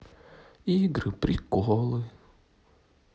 игры приколы